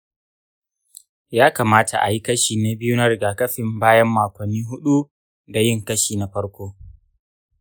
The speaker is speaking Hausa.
ya kamata a yi kashi na biyu na rigakafinka bayan makonni huɗu da yin kashi na farko.